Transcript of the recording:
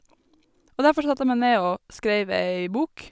Og derfor satt jeg meg ned og skreiv ei bok.